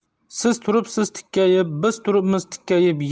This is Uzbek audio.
siz turibsiz tikkayib biz turibmiz tikkayib